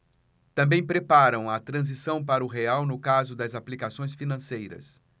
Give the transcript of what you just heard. também preparam a transição para o real no caso das aplicações financeiras